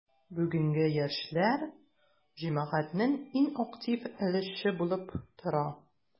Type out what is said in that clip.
Бүгенге яшьләр – җәмгыятьнең иң актив өлеше булып тора.